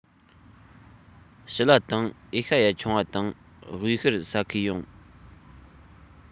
ཞི ལ དང ཨེ ཤ ཡ ཆུང བ དང དབུས ཤར ས ཁུལ ཡོངས